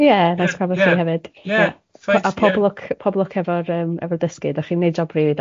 Ie neis gweld chi hefyd... Ie ie. ...ie a pob lwc pob lwc efo'r yym efo'r dysgu dach chi'n neud job rili dda.